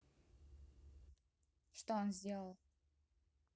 что он сделал